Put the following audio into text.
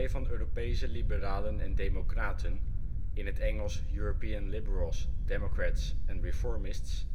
van Europese Liberalen en Democraten (ELDR of European Liberals, Democrats and Reformists